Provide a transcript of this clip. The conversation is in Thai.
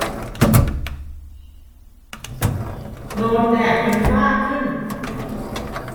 โดนแดดจนฝ้าขึ้น